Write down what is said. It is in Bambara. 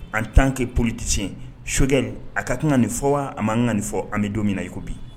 An' kɛ politesise sokɛ a ka kankan nin fɔ wa a maan kan nin fɔ an bɛ don min na iko bi